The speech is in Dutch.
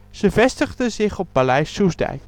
Ze vestigden zich op Paleis Soestdijk